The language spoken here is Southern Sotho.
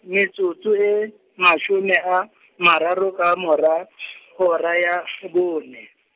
metsotso e, mashome a , mararo ka mora , hora ya, o bone.